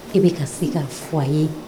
E bɛ ka se ka f fɔ' a ye